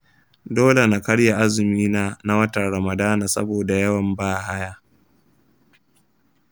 dole na karya azumina na watan ramadana saboda yawan bahaya.